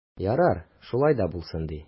Ярар, шулай да булсын ди.